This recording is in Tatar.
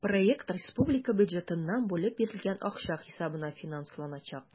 Проект республика бюджетыннан бүлеп бирелгән акча хисабына финансланачак.